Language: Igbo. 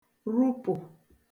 rupụ̀